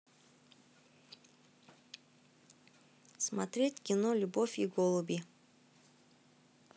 смотреть кино любовь и голуби